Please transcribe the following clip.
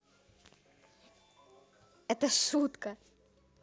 это шутка